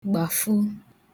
gbàfu